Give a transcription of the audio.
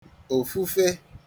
òfufe